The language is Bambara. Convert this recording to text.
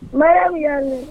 Maraw y'a mɛn